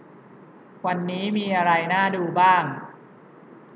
วันนี้มีอะไรน่าดูบ้าง